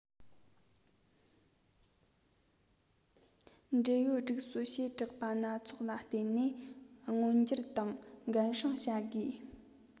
འབྲེལ ཡོད སྒྲིག སྲོལ བྱེ བྲག པ སྣ ཚོགས ལ བརྟེན ནས མངོན གྱུར དང འགན སྲུང བྱ དགོས